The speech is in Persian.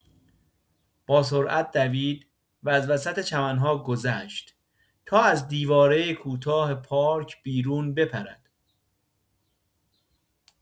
با سرعت دوید و از وسط چمن‌ها گذشت تا از دیواره کوتاه پارک بیرون بپرد.